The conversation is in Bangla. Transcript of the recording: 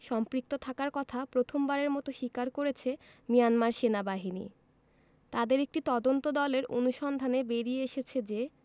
সম্পৃক্ত থাকার কথা প্রথমবারের মতো স্বীকার করেছে মিয়ানমার সেনাবাহিনী তাদের একটি তদন্তদলের অনুসন্ধানে বেরিয়ে এসেছে যে